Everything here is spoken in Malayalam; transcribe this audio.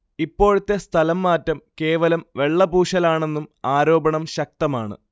ഇപ്പോഴത്തെ സ്ഥലം മാറ്റം കേവലം വെള്ളപൂശലാണെന്നും ആരോപണം ശക്തമാണ്